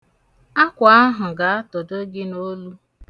Akwa ahụ ga-atọdo gị n' olu.